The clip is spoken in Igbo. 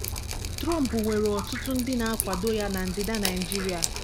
Trump nwere ọtụtụ ndị na-akwado ya na ndịda Naịjirịa